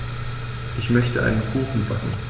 Ich möchte einen Kuchen backen.